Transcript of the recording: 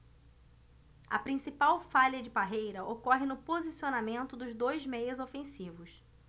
a principal falha de parreira ocorre no posicionamento dos dois meias ofensivos